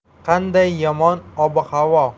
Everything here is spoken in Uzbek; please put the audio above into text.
qanday yomon ob havo